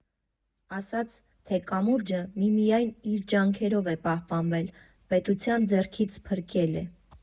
Ասաց, թե կամուրջը միմիայն իր ջանքերով է պահպանվել, պետության ձեռքից փրկել է։